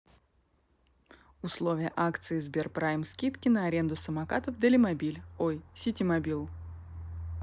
условия акции сберпрайм скидки на аренду самокатов делимобиль ой ситимобил